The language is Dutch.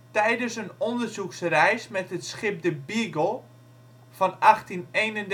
Tijdens een onderzoeksreis met het schip de Beagle (1831-1836